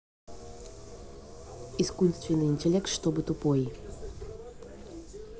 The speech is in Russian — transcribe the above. искусственный интеллект чтобы тупой